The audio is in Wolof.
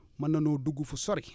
mën na noo dugg fu sori